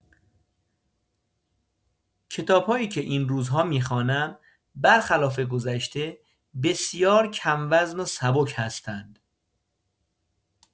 کتاب‌هایی که این روزها می‌خوانم، برخلاف گذشته، بسیار کم‌وزن و سبک هستند.